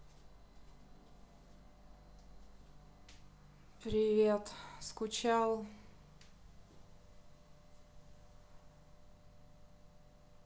привет скучал